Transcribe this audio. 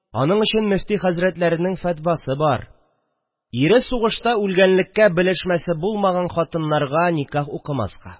Аның өчен мөфти хәзрәтләренең фәтвәсе бар – ире сугышта үлгәнлеккә белешмәсе булмаган хатыннарга никах укымаска